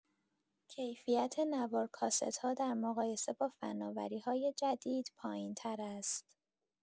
کیفیت نوار کاست‌ها در مقایسه با فناوری‌های جدید پایین‌تر است.